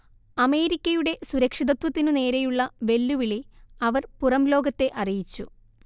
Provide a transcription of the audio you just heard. അമേരിക്കയുടെ സുരക്ഷിതത്വത്തിനു നേരെയുള്ള വെല്ലുവിളി അവർ പുറംലോകത്തെ അറിയിച്ചു